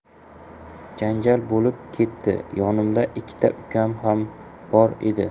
janjal bo'lib ketdi yonimda ikkita ukam ham bor edi